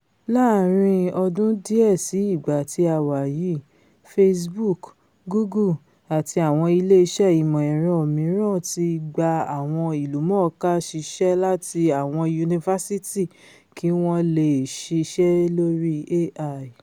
Láàárín ọdún díẹ̀ sí ìgbà tí a wà yìí Facebook, Google àti àwọn ilé iṣẹ́ ìmọ̀-ẹ̀rọ mìíràn ti gba àwọn ìlúmọ̀ọ́ká ṣiṣẹ́ láti àwọn yunifásitì kí wọ́n leè ṣiṣẹ́ lórí AI.